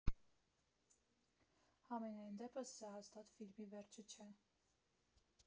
Համենայն դեպս, սա հաստատ ֆիլմի վերջը չէ։